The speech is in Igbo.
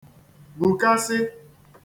gbùkasị̄